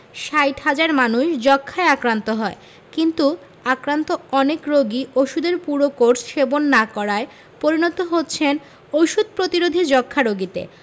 মানুষ যক্ষ্মায় আক্রান্ত হয় কিন্তু আক্রান্ত অনেক রোগী ওষুধের পুরো কোর্স সেবন না করায় পরিণত হচ্ছেন ওষুধ প্রতিরোধী যক্ষ্মা রোগীতে